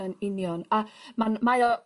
Yn union a ma'n mae o